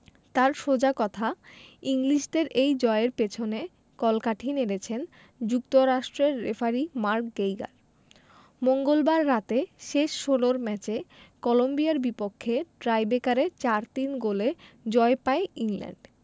তাঁর সোজা কথা ইংলিশদের এই জয়ের পেছনে কলকাঠি নেড়েছেন যুক্তরাষ্ট্রের রেফারি মার্ক গেইগার মঙ্গলবার রাতে শেষ ষোলোর ম্যাচে কলম্বিয়ার বিপক্ষে টাইব্রেকারে ৪ ৩ গোলে জয় পায় ইংল্যান্ড